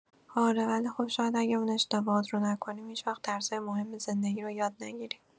آره، ولی خب شاید اگه اون اشتباهات رو نکنیم، هیچ‌وقت درسای مهم زندگی رو یاد نگیریم.